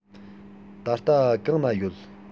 ད ལྟ གང ན ཡོད